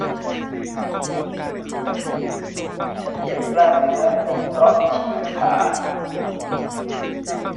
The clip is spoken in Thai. ฉันเจ็บกล้ามเนื้อเพราะฉีกขา